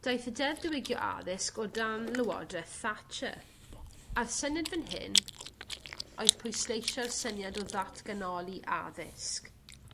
Daeth y deddf diwygio addysg o dan lywodreth Thatcher, a'r syniad fan hyn oedd pwysleisio'r syniad o ddatganoli addysg.